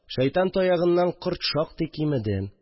Шайтан таягыннан корт шактый кимеде